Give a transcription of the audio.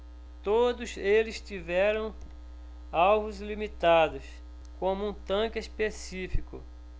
todos eles tiveram alvos limitados como um tanque específico